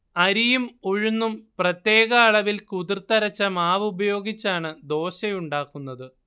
അരിയും ഉഴുന്നും പ്രത്യേക അളവിൽ കുതിർത്തരച്ച മാവ് ഉപയോഗിച്ചാണ് ദോശ ഉണ്ടാക്കുന്നത്